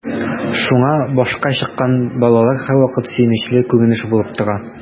Шуңа “башка чыккан” балалар һәрвакыт сөенечле күренеш булып тора.